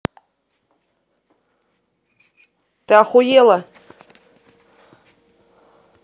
ты охуела